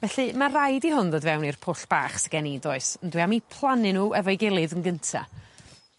felly ma' rhaid i hwn ddod fewn i'r pwll bach sy gen i does ond dwi am 'u plannu n'w efo'i gilydd yn gynta.